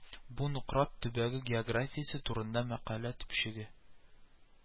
Бу Нократ төбәге географиясе турында мәкалә төпчеге